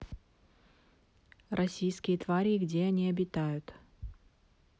российские твари и где они обитают